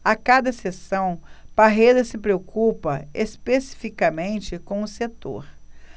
a cada sessão parreira se preocupa especificamente com um setor